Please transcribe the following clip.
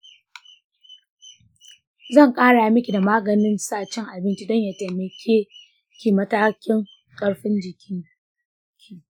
zan ƙara miki da maganin sa cin abinci don ya taimaki matakan ƙarfin jikinki.